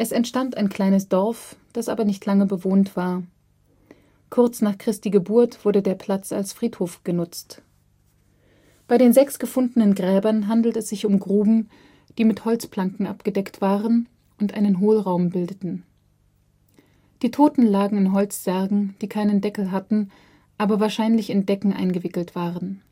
entstand ein kleines Dorf, das aber nicht lange bewohnt war. Kurz nach Christi Geburt wurde der Platz als Friedhof benutzt. Bei den sechs gefundenen Gräbern handelte es sich um Gruben, die mit Holzplanken abgedeckt waren und einen Hohlraum bildeten. Die Toten lagen in Holzsärgen, die keinen Deckel hatten, aber wahrscheinlich in Decken eingewickelt waren